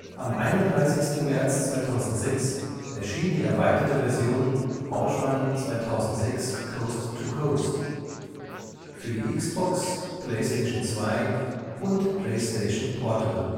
Am 31. März 2006 erschien die erweiterte Version, OutRun 2006:Coast to Coast, für die Xbox, PlayStation 2 und PlayStation Portable